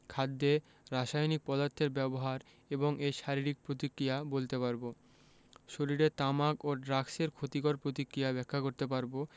খাদ্যে রাসায়নিক পদার্থের ব্যবহার এবং এর শারীরিক প্রতিক্রিয়া বলতে পারব শরীরে তামাক ও ড্রাগসের ক্ষতিকর প্রতিক্রিয়া ব্যাখ্যা করতে পারব